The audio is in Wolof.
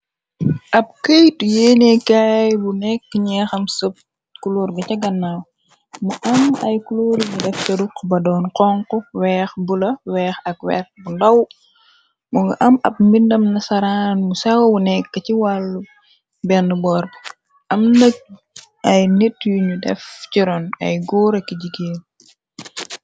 Ab keytu yeenee kaay bu nekk ñeexam sëb kuloorga ca gannaaw mu am ay kuloor ga def përuk ba doon xonk weex bu la weex ak weer bu ndaw mo nga am ab mbindam na saraan bu sawa bu nekk ci wàllu bend borb am ndë ay nit yuñu def coroon ay góora ki jigeen.